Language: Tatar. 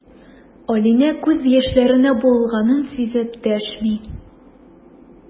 Алинә күз яшьләренә буылганын сизеп дәшми.